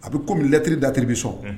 A bɛ colɛt da kiri bɛ sɔn